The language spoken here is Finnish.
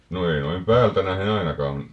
no ei noin päältä nähden ainakaan